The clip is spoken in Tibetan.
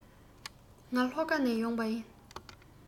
ང ལྷོ ཁ ནས ཡོང པ ཡིན